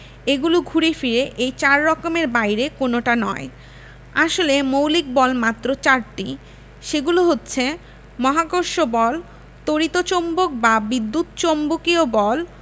এগুলো ঘুরে ফিরে এই চার রকমের বাইরে কোনোটা নয় আসলে মৌলিক বল মাত্র চারটি সেগুলো হচ্ছে মহাকর্ষ বল তড়িৎ চৌম্বক বা বিদ্যুৎ চৌম্বকীয় বল